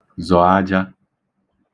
zọ̀ aja